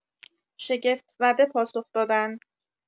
شگفت‌زده پاسخ دادند